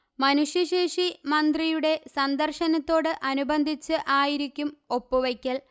മനുഷ്യ ശേഷി മന്ത്രിയുടെ സന്ദർശനത്തോട് അനുബന്ധിച്ച് ആയിരിക്കും ഒപ്പുവയ്ക്കല്